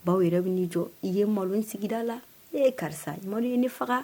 Baw yɛrɛ bɛ'i jɔ i ye malo sigida la e ye karisa malo ye ne faga